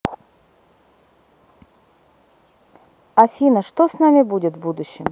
афина что с нами будет в будущем